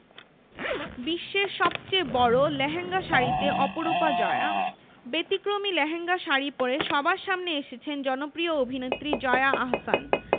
বিশ্বের সবচেয়ে বড় লেহেঙ্গা শাড়িতে অপরূপা জয়া ব্যতিক্রমী লেহেঙ্গা শাড়ি পরে সবার সামনে এসেছেন জনপ্রিয় অভিনেত্রী জয়া আহসান